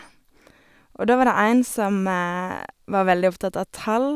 Og da var det en som var veldig opptatt av tall.